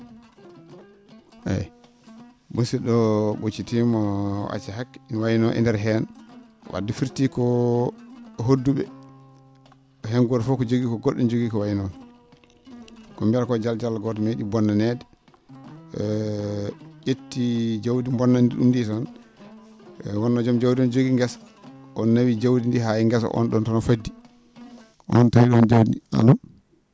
eeyi musid?o o ?occitiima o acca hakke mi wayno e ndeer heen wadde firtii ko hoddu?e heen gooto fof ko jogii ko go??o ne jogii ko wayi noon koo?e mbiyata ko jaljalo gooto mee?i bonnaneede e ?etti jawdi bonnanndi ?um ndi tan eeyi wonnoo jom jawdi no jogii ngesa o nawi jawdi ndi haa e ngesa on ?oon tan o faddi on tawii ?on jawdi ndi alo